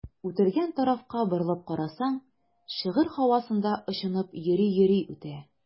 Үтелгән тарафка борылып карасаң, шигырь һавасында очынып йөри-йөри үтә.